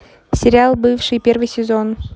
сериал бывшие первый сезон